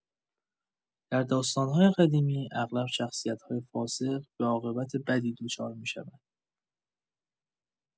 در داستان‌های قدیمی، اغلب شخصیت‌های فاسق به عاقبت بدی دچار می‌شدند.